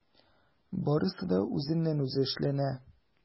Барысы да үзеннән-үзе эшләнә.